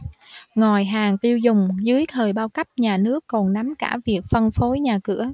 ngoài hàng tiêu dùng dưới thời bao cấp nhà nước còn nắm cả việc phân phối nhà cửa